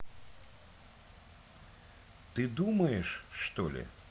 ты думаешь что ли